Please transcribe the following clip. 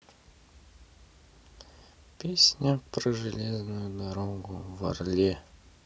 песня про железную дорогу в орле